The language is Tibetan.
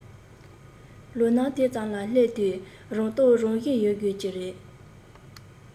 ལོ ན དེ ཙམ ལ སླེབས དུས རང རྟོགས རང བཞིན ཡོད དགོས ཀྱི རེད